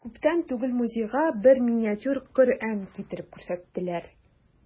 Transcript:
Күптән түгел музейга бер миниатюр Коръән китереп күрсәттеләр.